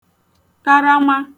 karama